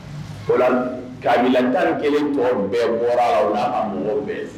Paul kabilatan kelen kɔ bɛ bɔra o la a mɔgɔw fɛ